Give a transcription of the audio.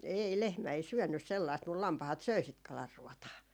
ei lehmä ei syönyt sellaista mutta lampaat söi sitä kalanruotaa